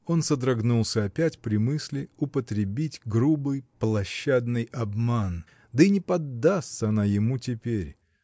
Он содрогнулся опять при мысли употребить грубый, площадной обман — да и не поддастся она ему теперь.